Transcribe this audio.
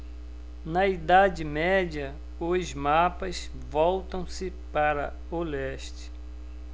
na idade média os mapas voltam-se para o leste